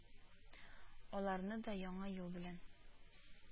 Аларны да Яңа ел белән